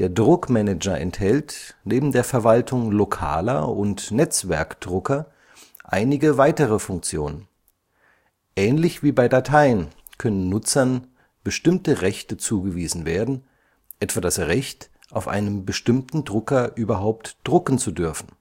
Druck-Manager enthält, neben der Verwaltung lokaler und Netzwerkdrucker, einige weitere Funktionen. Ähnlich wie bei Dateien können Benutzern bestimmte Rechte zugewiesen werden, etwa das Recht, auf einem bestimmten Drucker überhaupt drucken zu dürfen